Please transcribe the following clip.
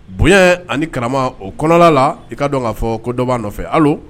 Bonya ani kara o kɔnɔna la i ka dɔn ka fɔ ko dɔba nɔfɛ hali